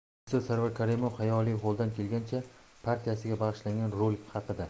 rejissor sarvar karimov xayoliy qo'ldan kelgancha partiyasiga bag'ishlangan rolik haqida